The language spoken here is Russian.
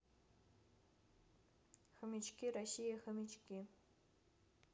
хомячки россия хомячки